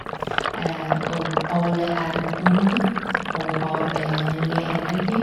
Og alle er unge og har mye energi.